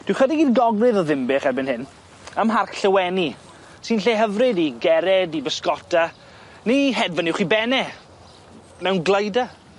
Dwi chydig i'r gogledd o Ddinbych erbyn hyn ym Mharc Lleweni, sy'n lle hyfryd i gered, i fysgota, neu i hedfan uwch 'i ben e, mewn gleida?